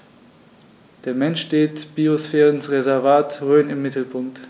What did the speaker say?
Der Mensch steht im Biosphärenreservat Rhön im Mittelpunkt.